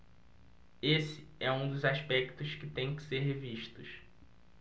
esse é um dos aspectos que têm que ser revistos